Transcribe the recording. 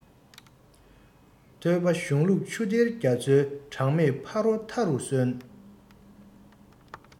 ཐོས པའི གཞུང ལུགས ཆུ གཏེར རྒྱ མཚོའི གྲངས མེད ཕ རོལ མཐའ རུ སོན